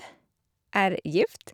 Er gift.